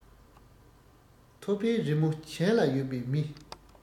ཐོད པའི རི མོ གྱེན ལ ཡོད པའི མི